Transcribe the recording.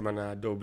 Mana dɔw